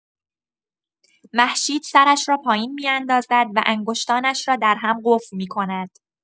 مهشید سرش را پایین می‌اندازد و انگشتانش را در هم قفل می‌کند.